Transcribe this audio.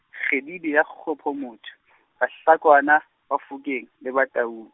kgididi ya kgopo motho, Bahlakwana, Bafokeng, le Bataung.